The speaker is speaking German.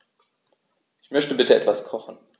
Ich möchte bitte etwas kochen.